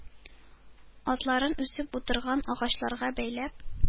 Атларын үсеп утырган агачларга бәйләп,